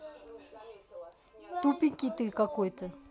тупенький ты какой то